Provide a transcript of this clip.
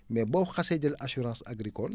mais boo xasee jël assurance agricole